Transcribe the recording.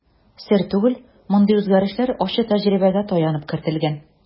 Сер түгел, мондый үзгәрешләр ачы тәҗрибәгә таянып кертелгән.